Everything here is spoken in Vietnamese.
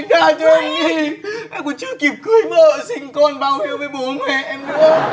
tha cho em đi em còn chưa kịp cưới vợ sinh con báo hiếu với bố mẹ em nữa